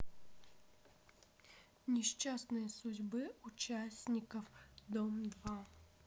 несчастные судьбы участников дома два